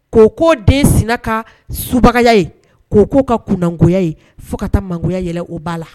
K'o ko den sina ka subagaya ye k'o k'o ka kunangoya ye fo ka t'a mangoya yɛlɛn o b'a la!